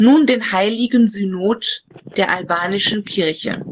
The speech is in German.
Heilige Synod der albanischen Kirche